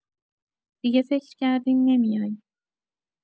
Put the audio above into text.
دیگه فکر کردیم نمیای.